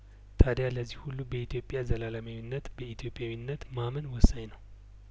ታዲያ ለዚህ ሁሉ በኢትዮጵያ ዘላለማዊነት በኢትዮጵያዊነት ማመን ወሳኝ ነው